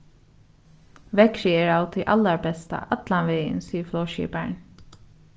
veðrið er av tí allarbesta allan vegin sigur flogskiparin